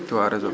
ci waa RESOP